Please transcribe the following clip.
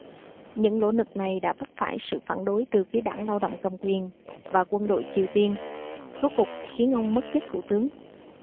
những nỗ lực này đã vấp phải sự phản đối từ phía đảng lao động cầm quyền và quân đội triều tiên rút cục khiến ông mất chức thủ tướng